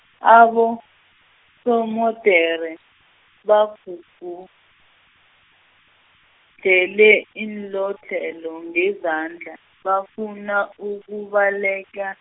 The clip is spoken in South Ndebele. Abosomodere, bagugudlhele, iinlodlhelo ngezandla, bafuna ukubaleka.